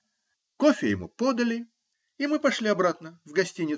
Кофе ему подали, и мы пошли обратно в гостиницу.